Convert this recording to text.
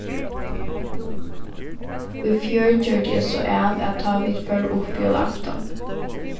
í fjør gjørdi eg so av at tá vit fóru upp jólaaftan